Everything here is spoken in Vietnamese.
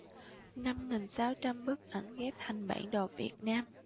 năm nghìn sáu trăm bức ảnh ghép thành bản đồ việt nam